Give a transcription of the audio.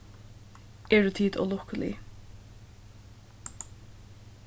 eru tit ólukkulig